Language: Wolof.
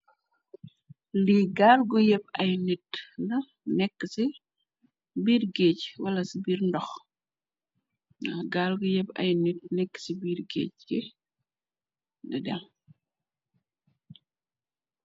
Lii gaal gu yep ay nit la, neekë si biir geege.